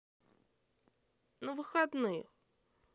на выходных